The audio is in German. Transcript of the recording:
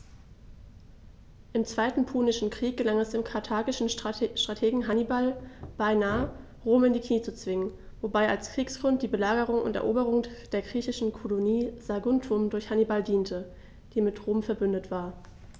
Im Zweiten Punischen Krieg gelang es dem karthagischen Strategen Hannibal beinahe, Rom in die Knie zu zwingen, wobei als Kriegsgrund die Belagerung und Eroberung der griechischen Kolonie Saguntum durch Hannibal diente, die mit Rom „verbündet“ war.